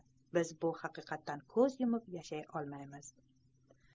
biz bu haqiqatdan ko'z yumib yashay olamizmi